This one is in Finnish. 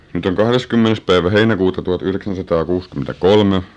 nyt on kahdeskymmenes päivä heinäkuuta tuhatyhdeksänsataakuusikymmentäkolme